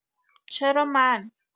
چرا من؟